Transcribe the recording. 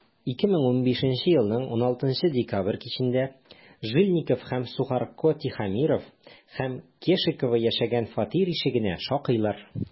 2015 елның 16 декабрь кичендә жильников һәм сухарко тихомиров һәм кешикова яшәгән фатир ишегенә шакыйлар.